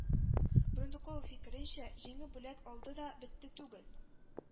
Брундукова фикеренчә, җиңеп бүләк алды да, бетте түгел